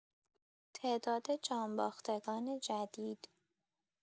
تعداد جان‌باختگان جدید